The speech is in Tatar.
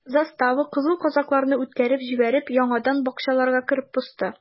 Застава, кызыл казакларны үткәреп җибәреп, яңадан бакчаларга кереп посты.